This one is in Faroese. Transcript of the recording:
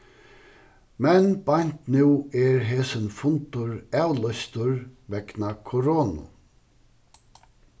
men beint nú er hesin fundur avlýstur vegna koronu